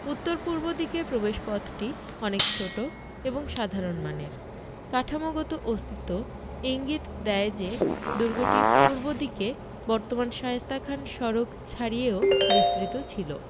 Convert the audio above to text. উত্তর পূর্ব দিকের প্রবেশপথটি অনেক ছোট এবং সাধারণ মানের কাঠামোগত অস্তিত্ব ইঙ্গিত দেয় যে দুর্গটি পূর্ব দিকে বর্তমান শায়েস্তা খান সড়ক ছাড়িয়েও বিস্তৃত ছিল